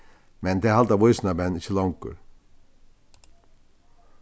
men tað halda vísindamenn ikki longur